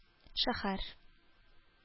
Шәһәр